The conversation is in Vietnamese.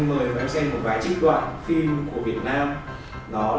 em một vài trích đoạn phim của việt nam nó là